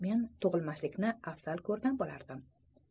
men tug'ilmaslikni afzal ko'rgan bo'lur edim